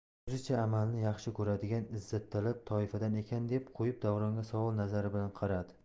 o'zicha amalni yaxshi ko'radigan izzattalab toifadan ekan deb qo'yib davronga savol nazari bilan qaradi